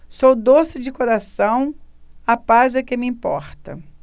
sou doce de coração a paz é que me importa